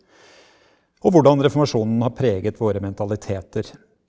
og hvordan reformasjonen har preget våre mentaliteter.